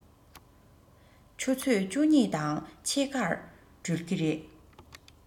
ཆུ ཚོད བཅུ གཉིས དང ཕྱེད ཀར གྲོལ གྱི རེད